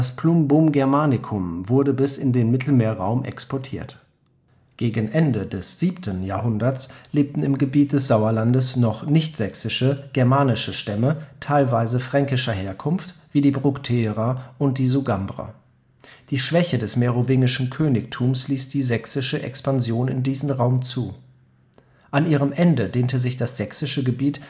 Plumbum Germanicum wurde bis in den Mittelmeerraum exportiert. Gegen Ende des 7. Jahrhunderts lebten im Gebiet des Sauerlandes noch nichtsächsische germanische Stämme (teilweise) fränkischer Herkunft wie die Brukterer und die Sugambrer. Die Schwäche des merowingischen Königtums ließ die sächsische Expansion in diesen Raum zu. An ihrem Ende dehnte sich das sächsische Gebiet